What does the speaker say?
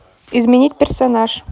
изменить персонаж